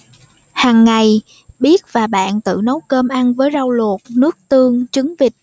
hằng ngày biết và bạn tự nấu cơm ăn với rau luộc nước tương trứng vịt